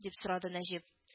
— дип сорады нәҗип